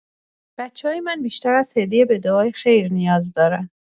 بچه‌های من بیشتر از هدیه به دعای خیر نیاز دارن.